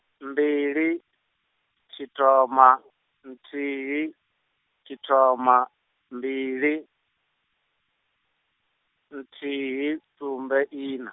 mbili, tshithoma, nthi, tshithoma, mbili, nthi, sumbe ina.